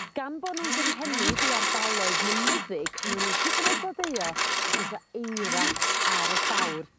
Gan bo' nw'n gynhennid i ardaloedd mynyddig nwn n'w hyd yn oed flodeuo os o's 'a eira ar y llawr.